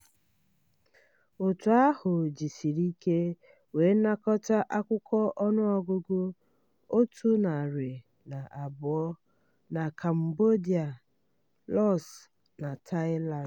Òtù ahụ jisirike wee nakọta akụkọ ọnụọgụgụ 102 na Cambodia, Laos, na Thailand.